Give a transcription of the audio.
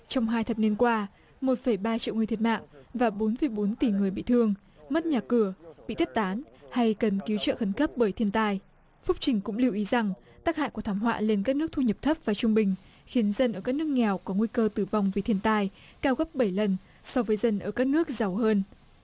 trong hai thập niên qua một phẩy ba triệu người thiệt mạng và bốn phẩy bốn tỉ người bị thương mất nhà cửa bị thất tán hay cần cứu trợ khẩn cấp bởi thiên tai phúc trình cũng lưu ý rằng tác hại của thảm họa lên các nước thu nhập thấp và trung bình khiến dân ở các nước nghèo có nguy cơ tử vong vì thiên tai cao gấp bảy lần so với dân ở các nước giàu hơn